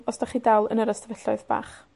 yr ystafelloedd bach.